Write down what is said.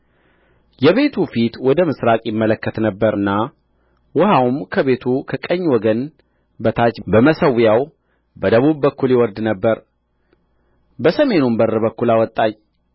የቤቱ ፊት ወደ ምሥራቅ ይመለከት ነበርና ውኃውም ከቤቱ ከቀኝ ወገን በታች በመሠዊያው በደቡብ በኩል ይወርድ ነበር በሰሜኑም በር በኩል አወጣኝ